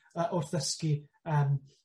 yy wrth ddysgu yym